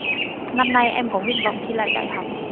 năm nay em có nguyện vọng thi lại đại học